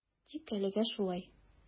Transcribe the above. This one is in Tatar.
Тик әлегә шулай.